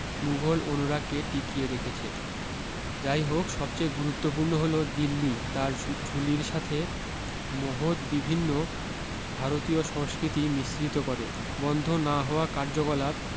মুঘল অনুরাগকে টিকিয়ে রেখেছে যাইহোক সবচেয়ে গুরুত্বপূর্ণ হল দিল্লী তার ঝুলির সাথে মহৎ বিভিন্ন ভারতীয় সংস্কৃতি মিশ্রিত করে বন্ধ না হওয়া কার্যকলাপ